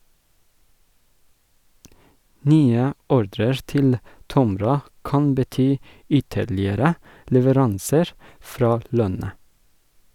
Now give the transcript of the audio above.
Nye ordrer til Tomra kan bety ytterligere leveranser fra Lønne.